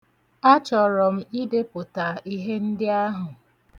Achọrọ m idepụta ihe ndị ahụ.